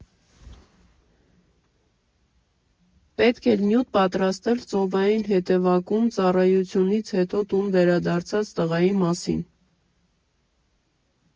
Պետք էր նյութ պատրաստել ծովային հետևակում ծառայությունից հետո տուն վերադարձած տղայի մասին։